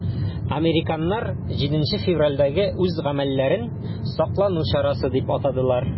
Американнар 7 февральдәге үз гамәлләрен саклану чарасы дип атадылар.